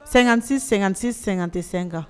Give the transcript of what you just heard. Sɛgɛngasi sɛgɛngasi sɛgɛnga tɛ sen kan